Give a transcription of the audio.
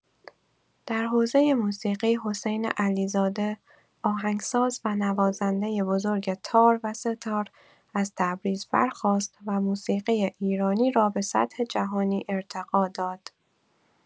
در حوزه موسیقی، حسین علیزاده آهنگساز و نوازنده بزرگ تار و سه‌تار، از تبریز برخاست و موسیقی ایرانی را به سطح جهانی ارتقا داد.